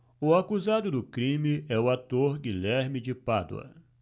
o acusado do crime é o ator guilherme de pádua